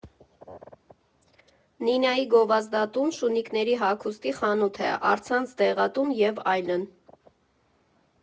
Նինայի գովազդատուն շունիկների հագուստի խանութ է, առցանց դեղատուն և այլն։